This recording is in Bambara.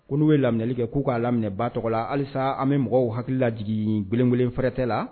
N'u ye laminili kɛ k'u k'a laminɛ ba tɔgɔ la halisa an bɛ mɔgɔw hakili la jigin gɛlɛnkelen fɛrɛɛrɛ tɛ la